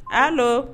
H don